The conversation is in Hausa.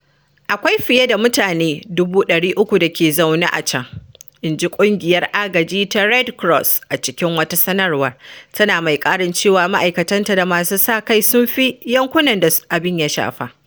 Akwai fiye da mutane 300,000 da ke zauna a can,” inji ƙungiyar agaji ta Red Cross a cikin wata sanarwa, tana mai ƙarin cewa ma’aikatanta da masu sa-kai sun nufi yankunan da abin ya shafa.